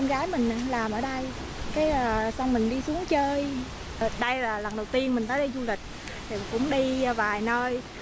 em gái mình đã làm ở đây cái xong mình đi xuống chơi ở đây là lần đầu tiên mình đi du lịch thì mình cũng đi vài nơi